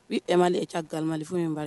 U emale e ca gamalifin min b'